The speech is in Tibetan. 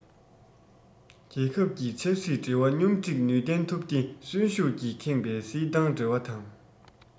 རྒྱལ ཁབ ཀྱི ཆབ སྲིད འབྲེལ བ སྙོམས སྒྲིག ནུས ལྡན ཐུབ སྟེ གསོན ཤུགས ཀྱིས ཁེངས པའི སྲིད ཏང འབྲེལ བ དང